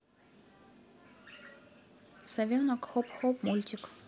совенок хоп хоп мультик